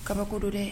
Kabako don dɛ